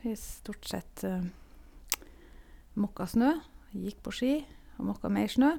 Vi stort sett måka snø, gikk på ski, og måka mer snø.